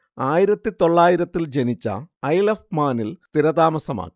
ആയിരത്തിത്തൊള്ളായിരത്തില്‍ ജനിച്ച Isle of മാനിൽ സ്ഥിരതാമസമാക്കി